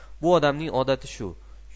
bu odamning odati shu